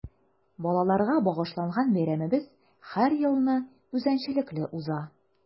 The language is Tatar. Балаларга багышланган бәйрәмебез һәр елны үзенчәлекле уза.